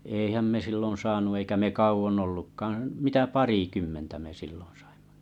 eihän me silloin saanut eikä me kauan ollutkaan mitä parikymmentä me silloin saimme